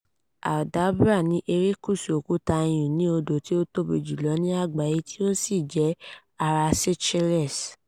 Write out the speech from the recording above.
Aldabra ni erékùṣù òkúta iyùn inú odò tí ó tóbi jùlọ ní àgbáyé tí ó sì jẹ́ ara Seychelles.